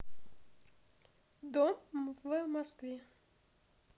дом в москве